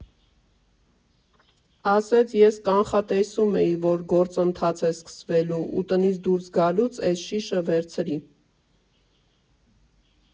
Ասեց՝ ես կանխատեսում էի, որ գործընթաց է սկսվելու ու տնից դուրս գալուց էս շիշը վերցրի։